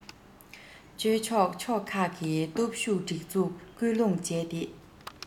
སྤྱོད ཆོག ཕྱོགས ཁག གི སྟོབས ཤུགས སྒྲིག འཛུགས སྐུལ སློང བྱས ཏེ